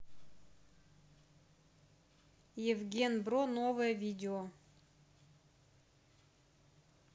евген бро новые видео